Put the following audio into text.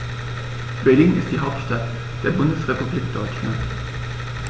Berlin ist die Hauptstadt der Bundesrepublik Deutschland.